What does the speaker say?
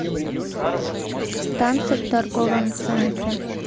танцы в торговом центре